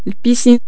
البيسين